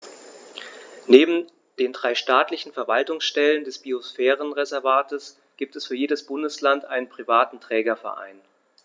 Neben den drei staatlichen Verwaltungsstellen des Biosphärenreservates gibt es für jedes Bundesland einen privaten Trägerverein.